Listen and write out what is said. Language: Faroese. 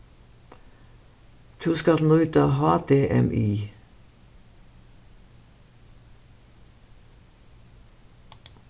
tú skalt nýta hdmi